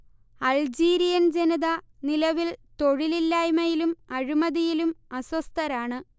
Algerian ജനത നിലവിൽ തൊഴിലില്ലായ്മയിലും അഴിമതിയിലും അസ്വസ്ഥരാണ്